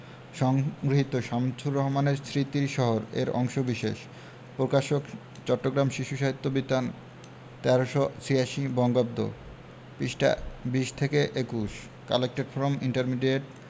সংগৃহীত শামসুর রহমানের স্মৃতির শহর এর অংশবিশেষ প্রকাশকঃ চট্টগ্রাম শিশু সাহিত্য বিতান ১৩৮৬ বঙ্গাব্দ পৃষ্ঠাঃ ২০থেকে ২১ কালেক্টেড ফ্রম ইন্টারমিডিয়েট